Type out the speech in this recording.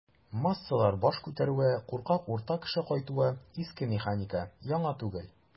"массалар баш күтәрүе", куркак "урта кеше" кайтуы - иске механика, яңа түгел.